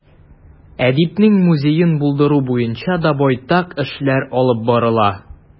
Әдипнең музеен булдыру буенча да байтак эшләр алып барыла.